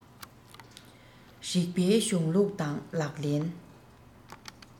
རིགས པའི གཞུང ལུགས དང ལག ལེན